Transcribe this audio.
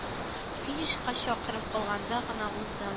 Финишка чакрым калганда гына уздым